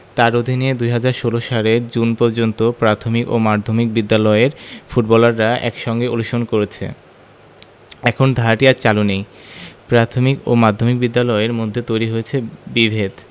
তাঁর অধীনে ২০১৬ সালের জুন পর্যন্ত প্রাথমিক ও মাধ্যমিক বিদ্যালয়ের ফুটবলাররা একসঙ্গে অনুশীলন করেছে এখন ধারাটি আর চালু নেই প্রাথমিক ও মাধ্যমিক বিদ্যালয়ের মধ্যে তৈরি হয়েছে বিভেদ